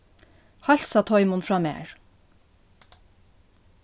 heilsa teimum frá mær